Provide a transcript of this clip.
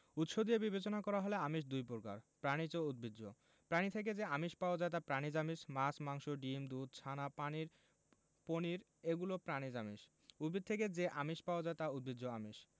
উৎস দিয়ে বিবেচনা করা হলে আমিষ দুই প্রকার প্রাণিজ ও উদ্ভিজ্জ প্রাণী থেকে যে আমিষ পাওয়া যায় তা প্রাণিজ আমিষ মাছ মাংস ডিম দুধ ছানা পানির পনির এগুলো প্রাণিজ আমিষ উদ্ভিদ থেকে যে আমিষ পাওয়া যায় তা উদ্ভিজ্জ আমিষ